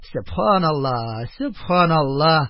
Сөбханалла... Сөбханалла